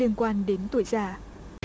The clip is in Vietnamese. liên quan đến tuổi già